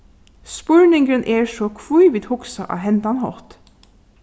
spurningurin er so hví vit hugsa á hendan hátt